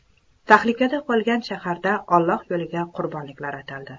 tahlikada qolgan shaharda olloh yo'liga qurbonliqlar ataldi